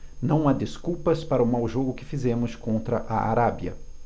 não há desculpas para o mau jogo que fizemos contra a arábia